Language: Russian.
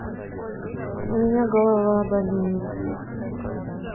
у меня голова болит